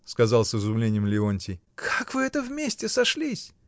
— сказал с изумлением Леонтий. — Как вы это вместе сошлись?